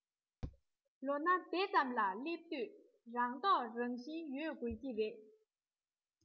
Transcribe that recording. ལོ ན དེ ཙམ ལ སླེབས དུས རང རྟོགས རང བཞིན ཡོད དགོས ཀྱི རེད